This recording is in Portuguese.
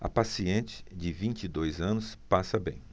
a paciente de vinte e dois anos passa bem